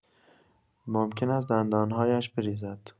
ممکن است دندان‌هایش بریزد.